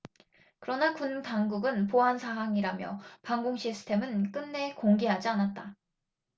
그러나 군 당국은 보안사항이라며 방공 시스템은 끝내 공개하지 않았다